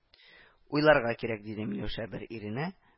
Уйларга кирәк, — диде Миләүшә, бер иренә, б